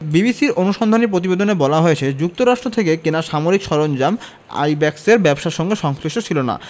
বিবিসির অনুসন্ধানী প্রতিবেদনে বলা হয়েছে যুক্তরাষ্ট্র থেকে কেনা সামরিক সরঞ্জাম আইব্যাকসের ব্যবসার সঙ্গে সংশ্লিষ্ট ছিল না